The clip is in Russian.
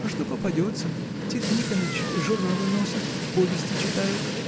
— Что попадется: Тит Никоныч журналы носит, повести читаю.